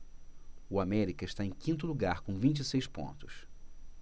o américa está em quinto lugar com vinte e seis pontos